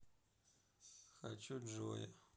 хочу джоя